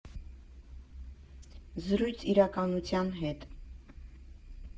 Զրույց իրականության հետ։